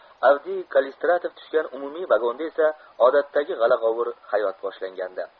avdiy kallistratov tushgan umumiy vagonda esa odatdagi g'ala g'ovur hayot boshlangandi